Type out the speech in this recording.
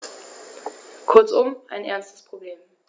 Kurzum, ein ernstes Problem.